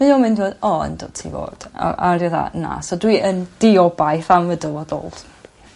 mae o'n myn fel o yndw ti fod a a dwi fatha na so dwi yn diobaith am y dyfodol.